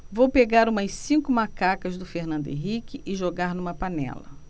vou pegar umas cinco macacas do fernando henrique e jogar numa panela